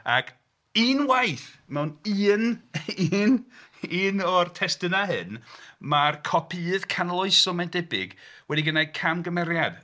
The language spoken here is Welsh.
Ag unwaith mewn un, un, un o'r testynau hyn, mae'r copïydd canoloesol mae'n debyg wedi gwneud camgymeriad...